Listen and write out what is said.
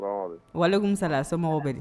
Wakun sara somɔgɔw bɛ di